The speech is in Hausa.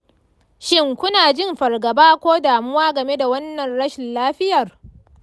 shin kuna jin fargaba ko damuwa game da wannan rashin lafiyar?